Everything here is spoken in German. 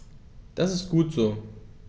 Das ist gut so.